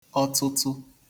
ọtụ̄tụ̄